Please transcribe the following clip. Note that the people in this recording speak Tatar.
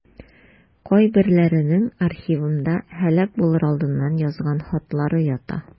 Кайберләренең архивымда һәлак булыр алдыннан язган хатлары ята.